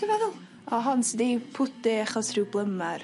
O' hon sy'n deud pwdu achos rhyw blymar.